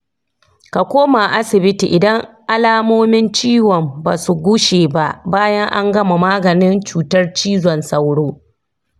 ka koma asibiti idan alamun ciwon ba su gushe ba bayan an gama maganin cutar cizon sauro